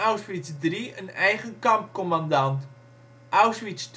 Auschwitz II en Auschwitz III een eigen kampcommandant. Auschwitz